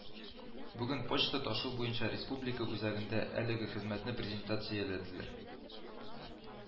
Бүген Почта ташу буенча республика үзәгендә әлеге хезмәтне презентацияләделәр